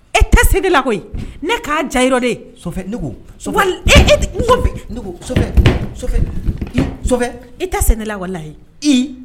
E tɛ sen ne lakɔ ne'a ja yɔrɔ de e tɛ sɛnɛ ne la walayi